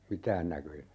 mitään näköjä